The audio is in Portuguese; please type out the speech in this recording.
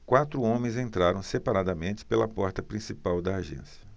quatro homens entraram separadamente pela porta principal da agência